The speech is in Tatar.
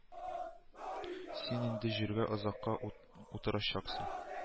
Син инде җиргә озакка утырачаксың